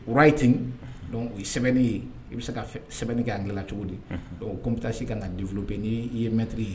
O ye ten o ye sɛbɛnni ye i bɛ se ka sɛbɛnni kɛ an gɛlɛla cogo di ko bɛ taa se ka na denlo bɛ' i ye mɛntigi ye